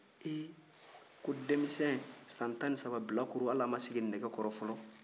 he ko denmisɛn san tan ni saba bilakoro hali a ma sigi nɛgekɔrɔ fɔlɔ